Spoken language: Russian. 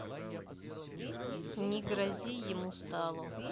не грози ему стало